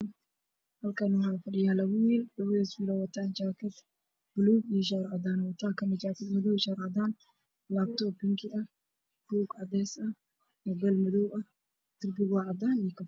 Halkan waxa fadhiyo labo wiilod labdas wiilod oo qaba jakad bulug ah iyo shar cadan ah Kani kalena jakad madow iyo shar cadan ah labtok bingi ah kuuk cadays ah mobel madow ah darbiguna wa cdan